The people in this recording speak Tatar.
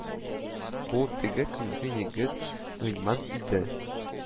Бу – теге көнге егет – Гыйльман иде